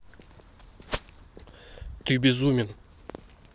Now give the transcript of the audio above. ты безумен